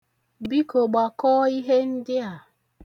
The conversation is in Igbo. Biko, gbakọọ ihe ndị a.